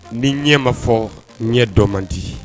Ni ɲɛ ma fɔ ɲɛ dɔn mandi